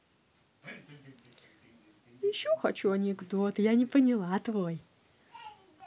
еще хочу анекдот я не поняла твой